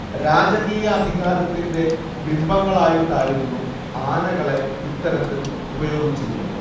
രാജകീയാധികാരത്തിന്റെ ബിംബങ്ങളായിട്ടായിരുന്നു ആനകളെ ഇത്തരത്തിൽ ഉപയോഗിച്ചിരുന്നത്